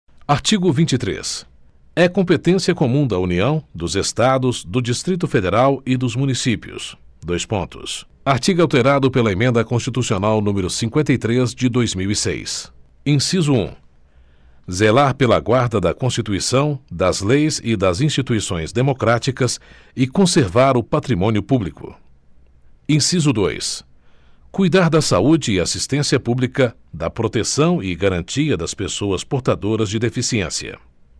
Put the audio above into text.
artigo vinte e três é competência comum da união dos estados do distrito federal e dos municípios dois pontos artigo alterado pela emenda constitucional número cinqüenta e três de dois mil e seis inciso um zelar pela guarda da constituição das leis e das instituições democráticas e conservar o patrimônio público inciso dois cuidar da saúde e assistência pública da proteção e garantia das pessoas portadoras de deficiência